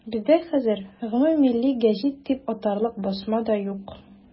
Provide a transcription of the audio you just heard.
Бездә хәзер гомуммилли гәҗит дип атарлык басма да юк.